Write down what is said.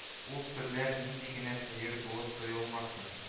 Ул серләр нинди генә сәер булып тоелмасын